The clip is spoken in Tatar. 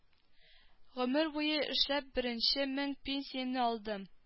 Гомер буе эшләп беренче мең пенсиямне алдым